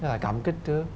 rất là cảm kích chứ